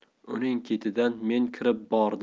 uning ketidan men kirib bordim